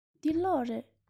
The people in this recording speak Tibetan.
འདི གློག རེད